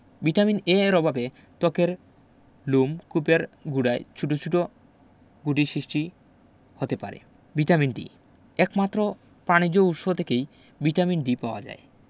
vitamin A এর অভাবে ত্বকের লোমকূপের গোড়ায় ছোট ছোট গুটির সৃষ্টি হতে পারে ভিটামিন D একমাত্র প্রাণিজ উৎস থেকেই ভিটামিন D পাওয়া যায়